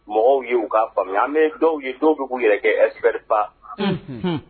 Mɔgɔw ye u k'a faamuya an bɛɛ dɔw ye dɔw bɛ k'u yɛrɛ kɛ expert ba unhun